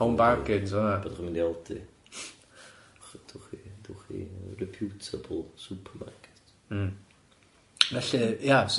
Home Bargains yn fan 'na. Peidiwch a mynd i Aldi. Dewch i dewch i reputable supermarket. Mm. Felly ia sut